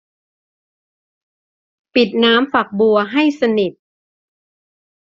ปิดน้ำฝักบัวให้สนิท